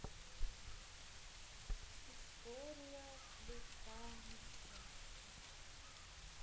история плюсани стресса